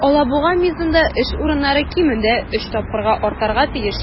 "алабуга" мизында эш урыннары кимендә өч тапкырга артарга тиеш.